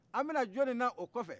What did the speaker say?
a bɛ na jɔnni na o kɔfɛ